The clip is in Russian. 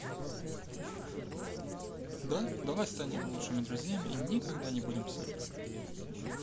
да давай станем лучшими друзьями и не будем никогда ссориться